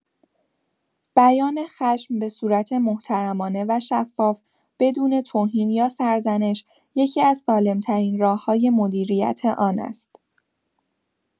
بیان خشم به‌صورت محترمانه و شفاف، بدون توهین یا سرزنش، یکی‌از سالم‌ترین راه‌های مدیریت آن است.